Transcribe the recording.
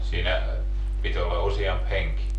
siinä piti olla useampi henki